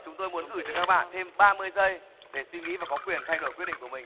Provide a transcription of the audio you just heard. chúng tôi muốn gửi tới các bạn thêm ba mươi giây để suy nghĩ và có quyền thay đổi quyết định của mình